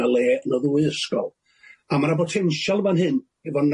'na le yn y ddwy ysgol a ma' 'na botenshal fan hyn efo